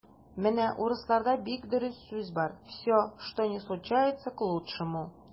Менә урысларда бик дөрес сүз бар: "все, что ни случается - к лучшему".